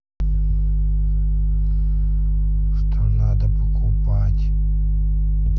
это надо покупать